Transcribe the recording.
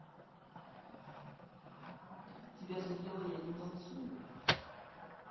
тебя заела я не танцую